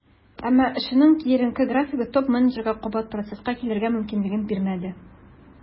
Әмма эшенең киеренке графигы топ-менеджерга кабат процесска килергә мөмкинлек бирмәде.